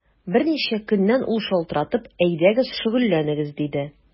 Берничә көннән ул шалтыратып: “Әйдәгез, шөгыльләнегез”, диде.